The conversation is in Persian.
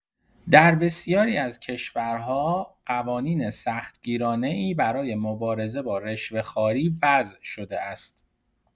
در بسیاری از کشورها، قوانین سخت‌گیرانه‌ای برای مبارزه با رشوه‌خواری وضع شده است.